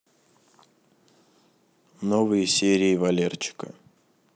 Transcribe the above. новые серии валерчика